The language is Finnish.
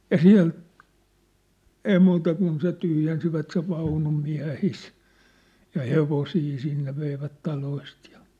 ja siellä ei muuta kuin se tyhjensivät sen vaunun miehistä ja hevosia sinne veivät taloista ja